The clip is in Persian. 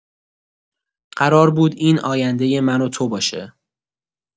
قرار بود این آیندۀ من و تو باشه.